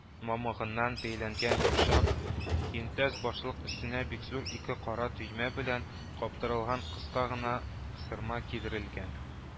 Мамыгыннан бәйләнгән йомшак, йөнтәс башлык, өстенә бик зур ике кара төймә белән каптырылган кыска гына сырма кидерелгән